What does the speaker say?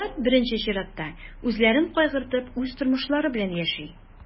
Алар, беренче чиратта, үзләрен кайгыртып, үз тормышлары белән яши.